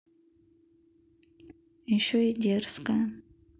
еще и дерзкая